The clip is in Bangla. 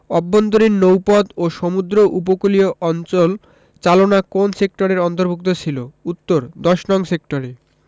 আভ্যন্তরীণ নৌপথ ও সমুদ্র উপকূলীয় অঞ্চল চালনা কোন সেক্টরের অন্তভু র্ক্ত ছিল উত্তরঃ ১০নং সেক্টরে